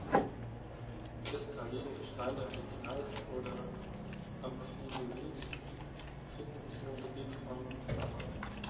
Kristalline Gesteine wie Gneis oder Amphibolit finden sich nur im Gebiet von Macun.